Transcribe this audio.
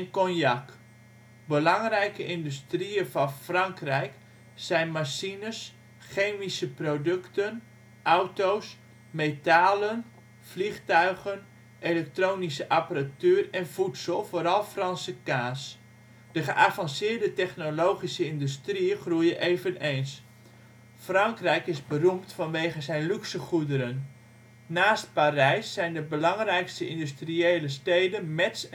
Cognac. Belangrijke industrieën van Frankrijk zijn machines, chemische producten, auto 's, metalen, vliegtuigen, elektronica-apparatuur, en voedsel (vooral kaas). De geavanceerde-technologieindustrieën groeien eveneens. Het toerisme is de belangrijke industrie en Parijs is beroemd vanwege zijn luxegoederen. Naast het gebied van Parijs zijn de belangrijkstee industriële steden Metz